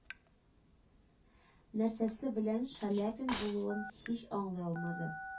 Нәрсәсе белән «шаляпин» булуын һич аңлый алмады,